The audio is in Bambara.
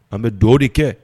An bɛ dɔw de kɛ